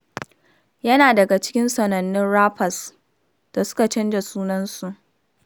An san Sean Combs da sunaye iri-iri a matsayin Puff Daddy, P. Diddy ko Diddy, amma wannan shekarar ya sanar cewa fifikonsa na sunayen Love da Brother Love ne.